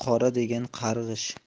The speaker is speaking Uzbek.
qora degan qarg'ish